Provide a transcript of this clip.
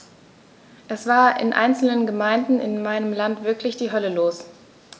Es war in einzelnen Gemeinden in meinem Land wirklich die Hölle los.